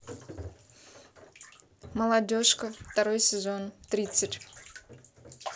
молодежка второй сезон тридцать